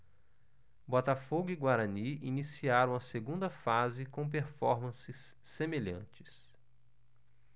botafogo e guarani iniciaram a segunda fase com performances semelhantes